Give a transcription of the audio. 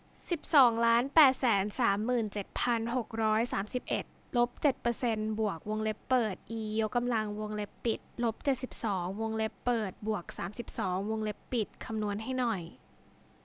สิบสองล้านแปดแสนสามหมื่นเจ็ดพันหกร้อยสามสิบเอ็ดลบเจ็ดเปอร์เซนต์บวกวงเล็บเปิดอียกกำลังวงเล็บปิดลบเจ็ดสิบสองวงเล็บเปิดบวกสามสิบสองวงเล็บปิดคำนวณให้หน่อย